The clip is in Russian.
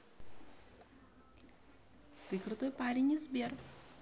ты крутой парень из сбер